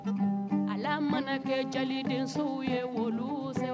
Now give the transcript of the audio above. Ala mana kɛ ja denw ye wolo